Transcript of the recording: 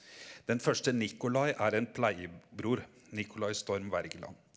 den første Nikolai er en pleiebror Nicolai Storm Wergeland.